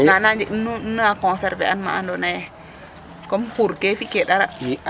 Manam nu na conserver a ma ma andoona yee comme xuurkee fi'kee dara?